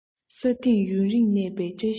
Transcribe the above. ས སྟེང ཡུན རིང གནས པའི བཀྲ ཤིས ཤོག